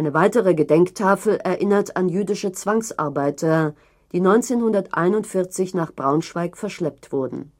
weitere Gedenktafel erinnert an jüdische Zwangsarbeiter, die 1941 nach Braunschweig verschleppt wurden